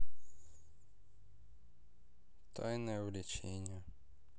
тайное влечение